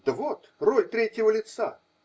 -- Да вот, роль третьего лица.